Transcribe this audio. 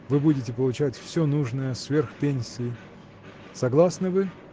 вы будете получать все нужное, сверх пенсии. Согласны вы?